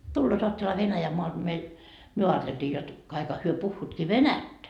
tulevat ajattelehan Venäjänmaalta meille me ajateltiin jotta kaikkihan he puhuvatkin venäjää